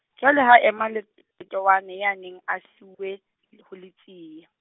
jwale ha ema Let- -towane, ya neng a siuwe ho Letsie.